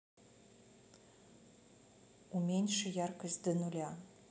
уменьши яркость до нуля